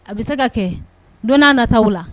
A bɛ se ka kɛ don nata u la